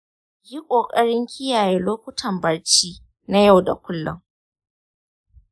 yi ƙoƙarin kiyaye lokutan barci na yau da kullum.